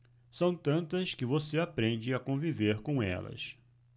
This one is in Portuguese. são tantas que você aprende a conviver com elas